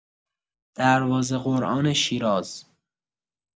دروازه قرآن شیراز